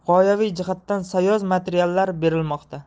g'oyaviy jihatdan sayoz materiallar berilmoqda